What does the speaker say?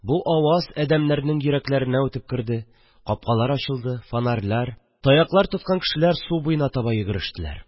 Бу аваз әдәмнәрнең йөрәкләренә үтеп керде, капкалар ачылды, фонарьлар, таяклар тоткан кешеләр су буена таба йөгерештеләр